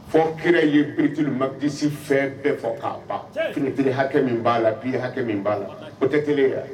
Fɔ kira ye bitirili madisi fɛn bɛɛ fɔ k'a ban fitiri hakɛ min b'a la bi hakɛ min b'a la o tɛ t wa